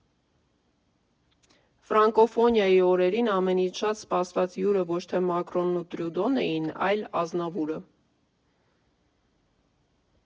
Ֆրանկոֆոնիայի օրերին ամենից շատ սպասված հյուրը ոչ թե Մակրոնն ու Տրյուդոն էին , այլ Ազնավուրը։